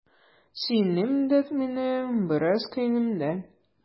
Сөенәм дә менә, бераз көенәм дә.